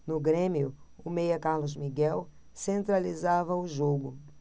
no grêmio o meia carlos miguel centralizava o jogo